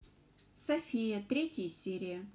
софия третья серия